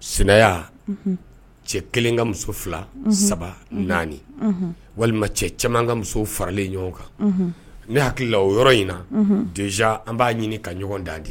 Sɛnɛya cɛ kelen ka muso fila saba naani walima cɛ cɛman ka muso faralen ɲɔgɔn kan ne hakilila o yɔrɔ in na de an b'a ɲini ka ɲɔgɔn ddi